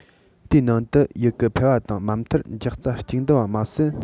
དེའི ནང དུ ཡུ གུ ཕལ བ དང མ མཐར འཇག རྩྭ གཅིག འདུ བ མ ཟད